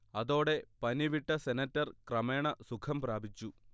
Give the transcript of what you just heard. അതോടെ പനിവിട്ട സെനറ്റർ ക്രമേണ സുഖം പ്രാപിച്ചു